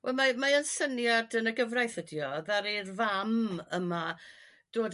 Wel mae mae o'n syniad yn y gyfraith ydy o ddaru'r fam yma dod